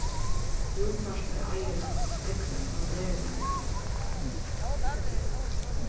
útvarpið eigur at spegla tann veruleikan